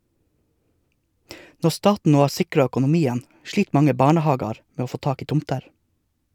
Når staten nå har sikra økonomien, slit mange barnehagar med å få tak i tomter.